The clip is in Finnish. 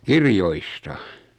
kirjoista